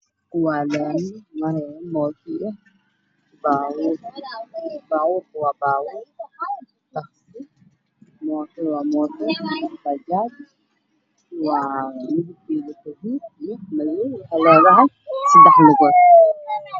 Waa laami waxaa maraayo bajaaj midabkeedu yahay guduud gaari cadaan laamiga midabkiisa madow